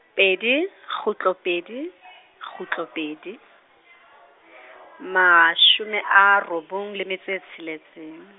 pedi, kgutlo pedi, kgutlo pedi, mashome a robong le metso e tsheletseng.